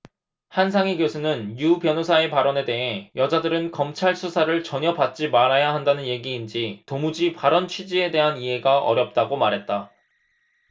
한상희 교수는 유 변호사의 발언에 대해 여자들은 검찰수사를 전혀 받지 말아야 한다는 얘기인지 도무지 발언 취지에 대한 이해가 어렵다고 말했다